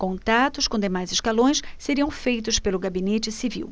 contatos com demais escalões seriam feitos pelo gabinete civil